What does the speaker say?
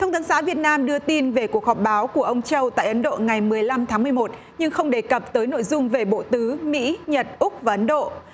thông tấn xã việt nam đưa tin về cuộc họp báo của ông châu tại ấn độ ngày mười lăm tháng mười một nhưng không đề cập tới nội dung về bộ tứ mỹ nhật úc và ấn độ